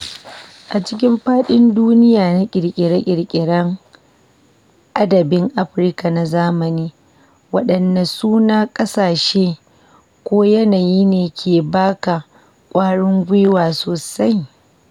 A cikin fadin duniya na kirkire-kirkiren adabin Afirka na zamani, waɗanne suna, ƙasashe, ko yanayi ne ke ba ka kwarin gwiwa sosai?